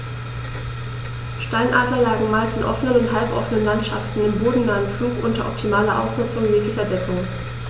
Steinadler jagen meist in offenen oder halboffenen Landschaften im bodennahen Flug unter optimaler Ausnutzung jeglicher Deckung.